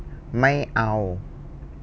ไม่เอา